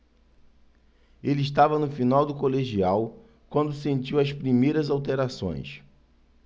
ele estava no final do colegial quando sentiu as primeiras alterações